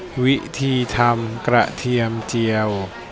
วิธีทำกระเทียมเจียว